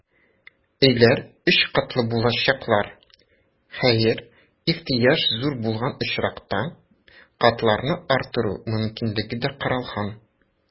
Өйләр өч катлы булачаклар, хәер, ихтыяҗ зур булган очракта, катларны арттыру мөмкинлеге дә каралган.